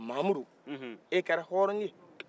mamudu e kɛra hɔrɔn ye